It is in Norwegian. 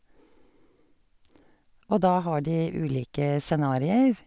Og da har de ulike scenarier.